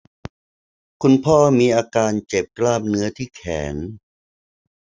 คุณพ่อมีอาการเจ็บกล้ามเนื้อที่แขน